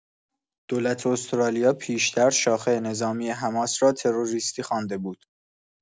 دولت استرالیا پیشتر شاخه نظامی حماس را تروریستی خوانده بود.